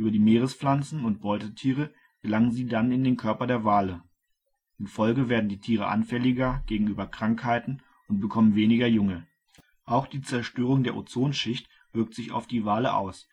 die Meerespflanzen und Beutetiere gelangen sie dann in den Körper der Wale. In Folge werden die Tiere anfälliger gegenüber Krankheiten und bekommen weniger Junge. Auch die Zerstörung der Ozonschicht wirkt sich auf die Wale aus